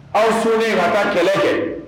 Aw sɔnna ne' ka kɛlɛ kɛ